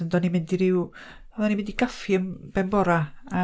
ond o'n i'n mynd i ryw, oedden ni'n mynd i gaffi, yym, ben bora, a...